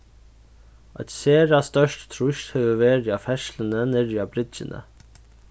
eitt sera stórt trýst hevur verið á ferðsluni niðri á bryggjuni